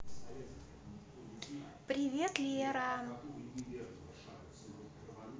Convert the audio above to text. привет лера